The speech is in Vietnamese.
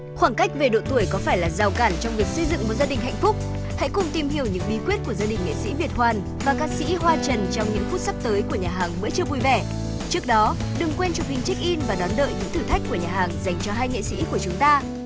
khoảng cách về độ tuổi có phải là rào cản trong việc xây dựng với gia đình hạnh phúc hãy cùng tìm hiểu những bí quyết của gia đình nghệ sĩ việt hoàn ca sĩ hoa trần trong những phút sắp tới của nhà hàng bữa trưa vui vẻ trước đó đừng quên chụp hình chếch in và đón đợi những thử thách của nhà hàng dành cho hai nghệ sĩ của chúng ta